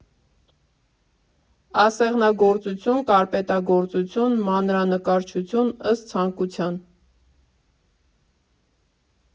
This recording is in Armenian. Ասեղնագործություն, կարպետագործություն, մանրանկարչություն՝ ըստ ցանկության։